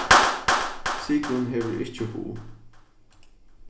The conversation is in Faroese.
sigrun hevur ikki hug